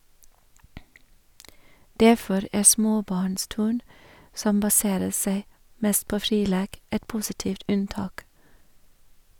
Derfor er småbarnsturn - som baserer seg mest på fri lek - et positivt unntak.